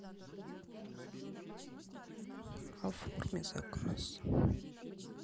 оформи заказ